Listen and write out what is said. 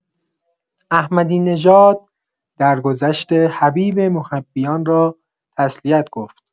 احمدی‌نژاد درگذشت حبیب محبیان را تسلیت گفت